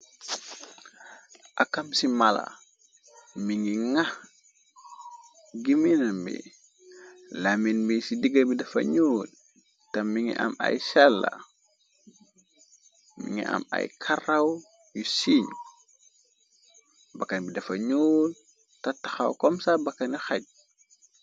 Akam ci mala mi ngi ngax gimina bi lamin bi ci diga bi dafa ñuu tam mi ngi am ay chàlla mi ngi am ay karaw yu siiñu bakkan bi dafa ñyuul taxtaxaw komsa bakkani xaj.